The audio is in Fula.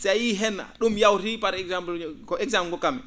si a yiyii heen ?um yawtii par exemple joo ko exemple ngokkatmi